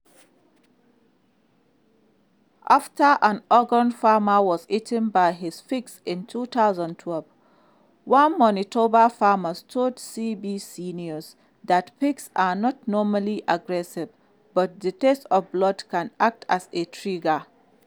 After an Oregon farmer was eaten by his pigs in 2012, one Manitoba farmer told CBC News that pigs are not normally aggressive but the taste of blood can act as a "trigger."